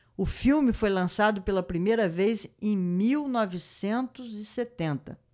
o filme foi lançado pela primeira vez em mil novecentos e setenta